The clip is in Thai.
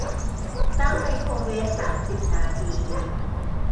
ตั้งไมโครเวฟสามสิบนาที